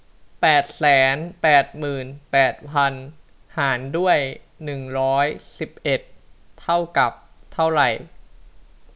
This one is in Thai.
แปดแสนแปดหมื่นแปดพันหารด้วยหนึ่งร้อยสิบเอ็ดเท่ากับเท่าไร